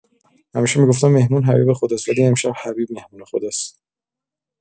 همیشه می‌گفتن مهمون حبیب خداست ولی امشب حبیب مهمون خداست!